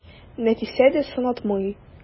Нәфисә дә сынатмый.